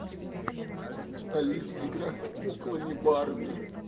алиса играет куклами барби